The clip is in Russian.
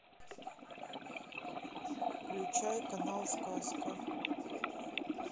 включай канал сказка